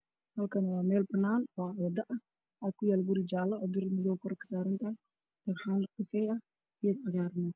Halkani waa meel banaan maxaa ku yaalla gurigaallo oo ah midowga korka saaran tahay kafee ah dhinaca cagaaran